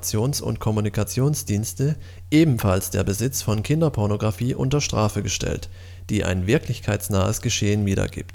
durch das IuKDG ebenfalls der Besitz von Kinderpornografie unter Strafe gestellt, die ein wirklichkeitsnahes Geschehen wiedergibt